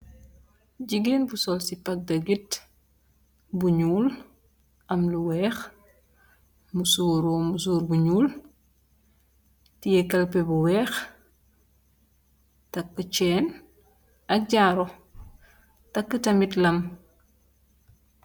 jigeen bu sol cipa dagit bu nuul am lu weex mu musurro musur bu nuul tiye kalpe bu weex takk chain ak jaaro taka tamit lam.